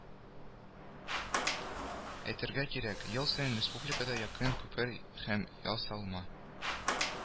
Әйтергә кирәк, ел саен республикада якын күпер һәм ясалма